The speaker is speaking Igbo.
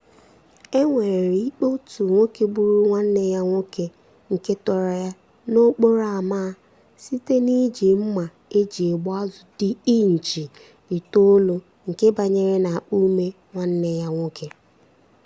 E nwere ikpe otu nwoke gburu nwanne ya nwoke nke tọrọ ya n'okporo ámá site n'iji mma e ji egbu azụ dị ịnchị itoolu nke banyere n'akpa ume nwanne ya nwoke.